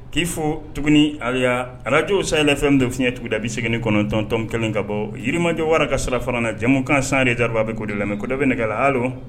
K'i fo tuguni aya ajo sayayla fɛn defiɲɛ tugun da bɛ segin kɔnɔntɔntɔn kelen ka bɔ yirimajɛ wara ka sira fana na jɛmukan san de dabaa bɛ ko de la mɛ ko dɔ bɛ nɛgɛ hali